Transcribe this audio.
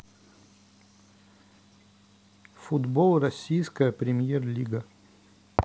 футбол российская премьер лига